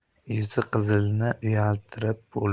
yuzi qizilni uyaltirib bo'lmas